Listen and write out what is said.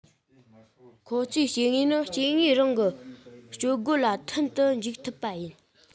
ཁོ ཚོས སྐྱེ དངོས ནི སྐྱེ དངོས རང གི སྤྱོད སྒོ ལ མཐུན དུ འཇུག ཐུབ པ ཡིན